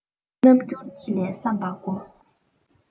རྣམ འགྱུར ཉིད ལས བསམ པ གོ